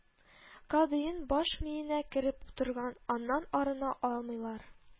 Кодеин баш миенә кереп утырган, аннан арына алмыйлар